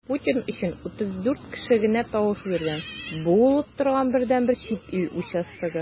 Путин өчен 34 кеше генә тавыш биргән - бу ул оттырган бердәнбер чит ил участогы.